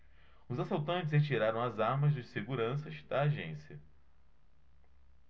os assaltantes retiraram as armas dos seguranças da agência